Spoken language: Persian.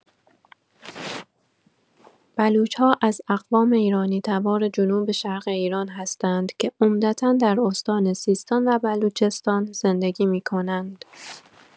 بلوچ‌ها از اقوام ایرانی‌تبار جنوب‌شرق ایران هستند که عمدتا در استان سیستان و بلوچستان زندگی می‌کنند.